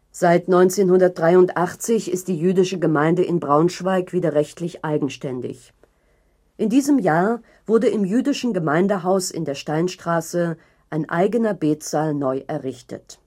Seit 1983 ist die jüdische Gemeinde in Braunschweig wieder rechtlich eigenständig. In diesem Jahr wurde im jüdischen Gemeindehaus in der Steinstraße ein eigener Betsaal neu errichtet